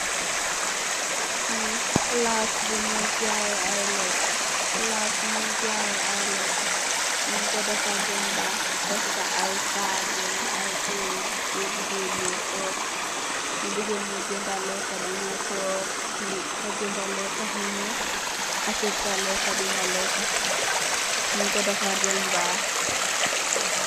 Palas buñ ñoy jayèh ay lekka, ñig ko defarr bam baax tek fa ay tabul, ay tohgu, sóó bugeh ñaw genda lekka da ngai tóóg. Ñiñ ko deffar bem baax.